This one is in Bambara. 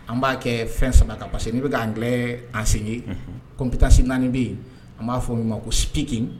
An b'a kɛ fɛn saba ka parce que n' bɛ k'an gɛlɛn an sen ye ko n bɛ taasi naani bɛ yen an b'a f fɔ' ma ko pki